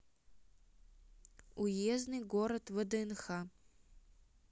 уездный город вднх